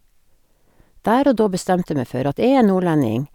Der og da bestemte jeg meg for at jeg er nordlending.